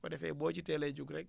bu ko defee boo ci teelee jug rek